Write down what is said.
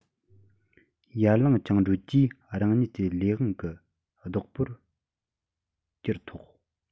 ཡར ལངས བཅིངས འགྲོལ གྱིས རང ཉིད ཀྱི ལས དབང གི བདག པོར གྱུར ཐོག